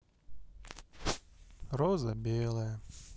роза белая